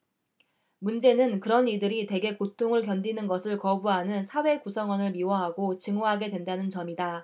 문제는 그런 이들이 대개 고통을 견디는 것을 거부하는 사회 구성원을 미워하고 증오하게 된다는 점이다